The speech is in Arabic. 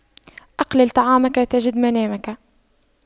أقلل طعامك تجد منامك